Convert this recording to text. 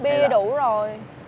bia đủ rồi